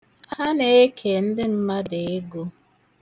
Ha na-ekenye ndị mmadụ ego.